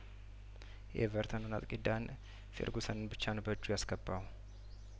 የኤቨርተኑን አጥቂ ዳን ፌርጉሰንን ብቻ ነው በእጁ ያስገባው